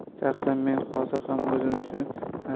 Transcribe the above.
shaxsan men hozir ham o'zim